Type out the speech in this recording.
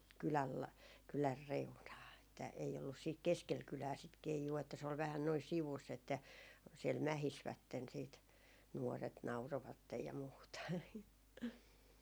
kylän - kylän reunaan että ei ollut sitten keskellä kylää sitä keijua että se oli vähän noin sivussa että siellä mähisivät sitten nuoret nauroivat ja muuta